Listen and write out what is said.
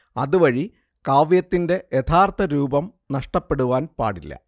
അതുവഴി കാവ്യത്തിന്റെ യഥാർഥ രൂപം നഷ്ടപ്പെടുവാൻ പാടില്ല